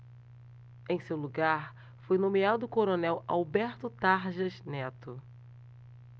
em seu lugar foi nomeado o coronel alberto tarjas neto